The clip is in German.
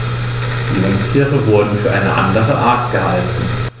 Jungtiere wurden für eine andere Art gehalten.